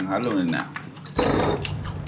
há luôn rồi